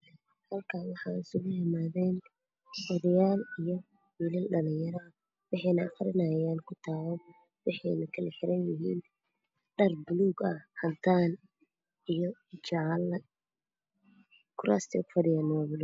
Qol laami odayaal wiilal dhalinyarada dhar buluug caddaan jaale kuraasta ku fadhiyo